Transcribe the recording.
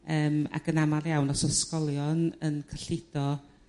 Yrm ac yn amal iawn os 's ysgolion yn cylludo